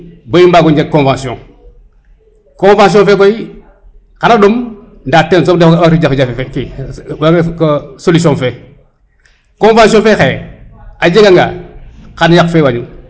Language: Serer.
bo i mbago njeg convention convention fe koy xana ɗom nda ten soom aru jafe jafe fe solution fe convention fe xaye a jega nga xan yaq fe wañu